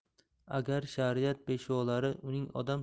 agar shariat peshvolari uning odam